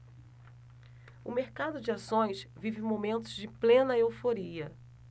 o mercado de ações vive momentos de plena euforia